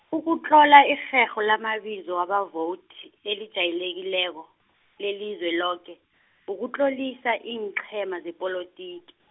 ukutlola irherho lamabizo wabavowudi, elijayelekileko, lelizweloke, ukutlolisa iinqhema zepolotiki.